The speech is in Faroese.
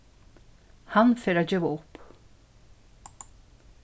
hann fer at geva upp